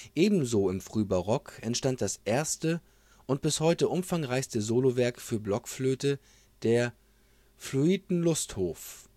Ebenso im Frühbarock entstand das erste und bis heute umfangreichste Solo-Werk für Blockflöte, der „ Fluyten Lust-hof